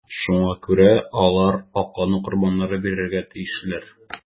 Шуңа күрә алар аклану корбаннары бирергә тиешләр.